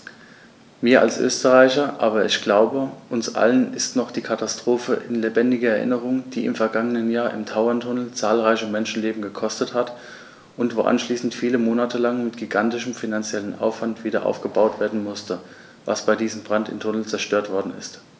Mir als Österreicher, aber ich glaube, uns allen ist noch die Katastrophe in lebendiger Erinnerung, die im vergangenen Jahr im Tauerntunnel zahlreiche Menschenleben gekostet hat und wo anschließend viele Monate lang mit gigantischem finanziellem Aufwand wiederaufgebaut werden musste, was bei diesem Brand im Tunnel zerstört worden ist.